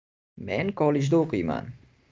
men kollejda o'qiyman